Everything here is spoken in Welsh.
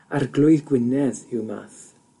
Arglwydd Gwynedd yw Math